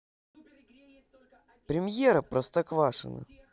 премьера простоквашино